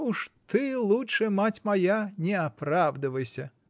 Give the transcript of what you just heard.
Уж ты лучше, мать моя, не оправдывайся.